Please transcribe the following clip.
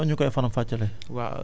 noo ñu koy faram-fàccelee